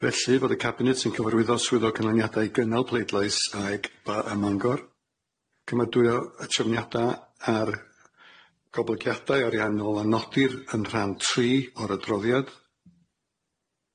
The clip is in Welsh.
Felly, fod y Cabinet yn cyfarwyddo swyddog canlyniadau i gynnal pleidlais aeg ba ym Mangor, cymudwyo y trefniadau ar goblygiadau ariannol a nodir yn rhan tri o'r adroddiad,